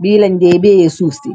bi lañdéy béyé suusti.